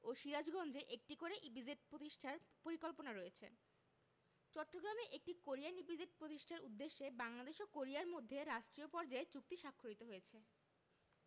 ও সিরাজগঞ্জে একটি করে ইপিজেড প্রতিষ্ঠার পরিকল্পনা রয়েছে চট্টগ্রামে একটি কোরিয়ান ইপিজেড প্রতিষ্ঠার উদ্দেশ্যে বাংলাদেশ ও কোরিয়ার মধ্যে রাষ্ট্রীয় পর্যায়ে চুক্তি স্বাক্ষরিত হয়েছে